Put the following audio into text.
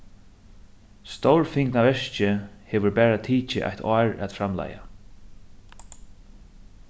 stórfingna verkið hevur bara tikið eitt ár at framleiða